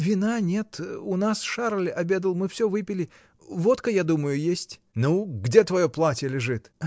— Вина нет; у нас Шарль обедал, мы всё выпили: водка, я думаю, есть. — Ну, где твое платье лежит?